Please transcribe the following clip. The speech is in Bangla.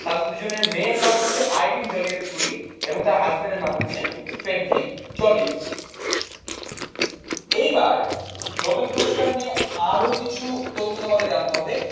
তাদের দুইজনের মেয়ের নাম হচ্ছে আইরিন জলিয়েট কুরি হাজবেন্ডের নাম হচ্ছে ফ্রেডরিক জলিয়েট এইবার নোবেল পুরস্কার নিয়ে আরো কিছু তথ্য তোমাদের জানতে হবে